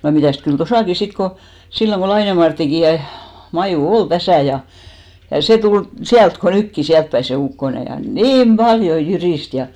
ja mitäs kyllä tuossakin sitten kun silloin kun Laineen Marttikin ja Maju oli tässä ja ja se tuli sieltä kuin nytkin sieltäpäin se ukkonen ja niin paljon jyristi ja